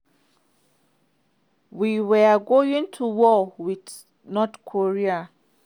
"We were going to war with North Korea.